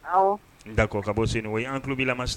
Da kɔ ka bɔ sen wa an tulo'lama